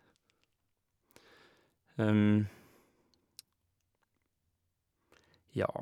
Ja.